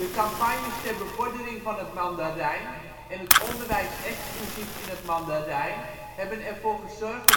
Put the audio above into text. campagnes ter bevordering van het Mandarijn en het onderwijs exclusief in het Mandarijn hebben ervoor gezorgd